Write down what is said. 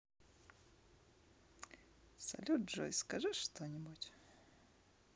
салют джой скажи что нибудь